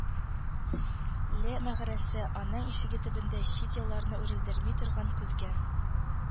Ле мәгарәсе, аның ишеге төбендә чит-ятларны үрелдерми торган, күзгә